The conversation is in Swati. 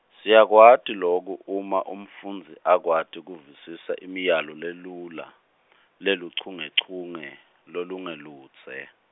siyakwati loku, uma umfundzi akwati kuvisisa imiyalo lelula, leluchungechunge, lolungeludze.